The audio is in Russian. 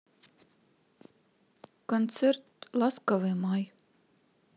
концерт ласковый май